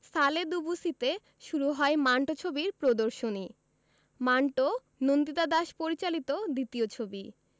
সালে দুবুসিতে শুরু হয় মান্টো ছবির প্রদর্শনী মান্টো নন্দিতা দাস পরিচালিত দ্বিতীয় ছবি